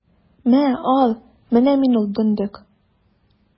Мә, ал, менә мин ул дөндек!